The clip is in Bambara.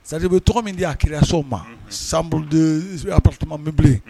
Ç'a dire ju bɛ tɔgɔ min dina créations ma Chambre de apartment imeublé _